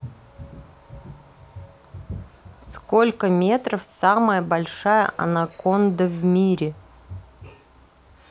сколько метров самая большая анаконда в мире